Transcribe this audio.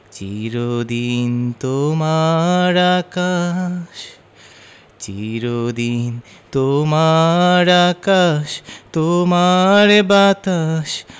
চির দিন তোমার আকাশ চির দিন তোমার আকাশ তোমার বাতাস